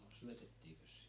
no syötettiinkös sitä